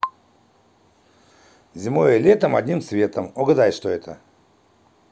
зимой и летом одним цветом угадай что это за